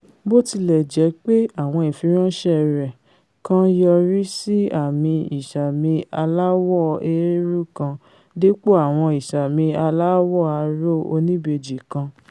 Botilẹjepe, àwọn ìfiránṣẹ́ rẹ̀, kàn yọrísí àmì ìṣàmi aláwọ̀ eérú kan, dípò àwọn ìṣàmì aláwọ̀ aró oníbejì kan.